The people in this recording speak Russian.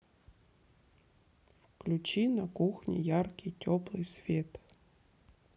включи на кухне яркий теплый свет